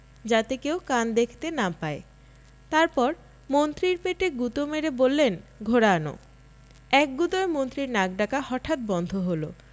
যাতে কেউ কান দেখতে না পায় তারপর মন্ত্রীর পেটে গুতো মেরে বললেন ঘোড়া আন এক গুতোয় মন্ত্রীর নাক ডাকা হঠাৎ বন্ধ হল